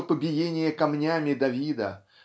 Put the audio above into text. что побиение камнями Давида